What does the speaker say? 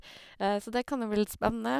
Så det kan jo bli litt spennende.